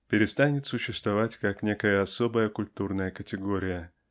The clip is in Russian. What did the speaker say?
перестанет существовать как некая особая культурная категория.